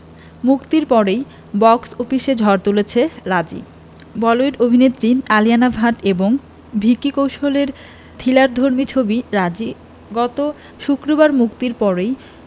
মুক্তির পরই বক্স অফিসে ঝড় তুলেছে রাজি বলিউড অভিনেত্রী আলিয়া ভাট এবং ভিকি কৌশলের থ্রিলারধর্মী ছবি রাজী গত শুক্রবার মুক্তির পরই